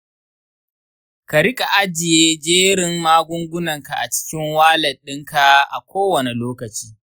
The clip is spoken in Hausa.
ka riƙa ajiye jerin magungunanka a cikin walat ɗinka a kowane lokaci.